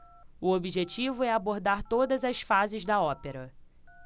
o objetivo é abordar todas as fases da ópera